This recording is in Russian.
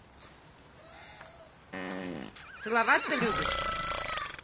целоваться любишь